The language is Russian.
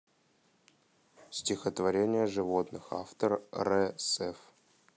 стихотворения о животных автор рэ сеф